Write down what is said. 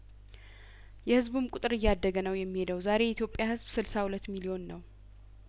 የህዝቡም ቁጥር እያደገ ነው የሚሄደው ዛሬ የኢትዮጵያ ህዝብ ስልሳ ሁለት ሚሊዮን ነው